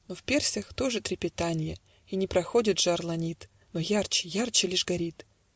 Но в персях то же трепетанье, И не проходит жар ланит, Но ярче, ярче лишь горит.